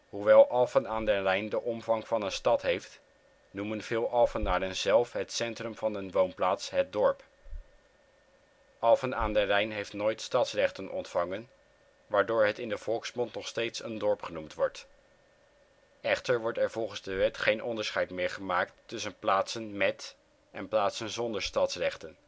Hoewel Alphen aan den Rijn de omvang van een stad heeft, noemen veel Alphenaren zelf het centrum van hun woonplaats " het dorp ". Alphen aan den Rijn heeft nooit stadsrechten ontvangen, waardoor het in de volksmond nog steeds een dorp genoemd wordt. Echter wordt er volgens de wet geen onderscheid meer gemaakt tussen plaatsen met en plaatsen zonder stadsrechten